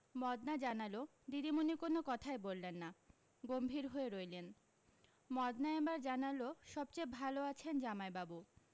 মদনা জানালো দিদিমণি কোন কথাই বললেন না গম্ভীর হয়ে রইলেন মদনা এবার জানালো সব চেয়ে ভালো আছেন জামাইবাবু